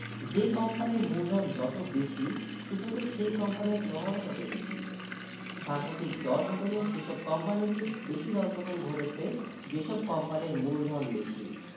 যে কোম্পানির মূলধন যত বেশি সূচকে সেই কোম্পানির প্রভাবও তত বেশি সাম্প্রতিক দরপতনে সেসব কোম্পানিরই বেশি দরপতন ঘটেছে যেসব কোম্পানির মূলধন বেশি